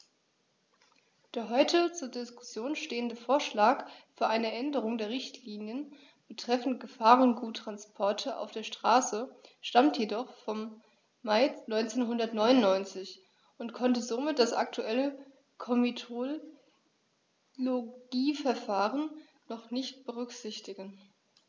Der heute zur Diskussion stehende Vorschlag für eine Änderung der Richtlinie betreffend Gefahrguttransporte auf der Straße stammt jedoch vom Mai 1999 und konnte somit das aktuelle Komitologieverfahren noch nicht berücksichtigen.